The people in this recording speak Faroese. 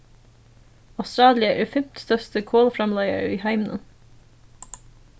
australia er fimtstørsti kolframleiðari í heiminum